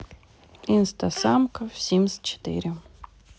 инстасамка в симс четыре